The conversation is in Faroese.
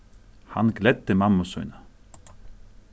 hann gleddi mammu sína